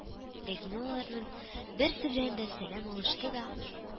Ләкин ул аларның берсе белән сәлам алышты да